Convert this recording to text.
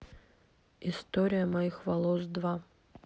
история моих волос два